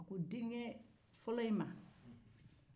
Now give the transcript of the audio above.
a ko denkɛ fɔlɔ in man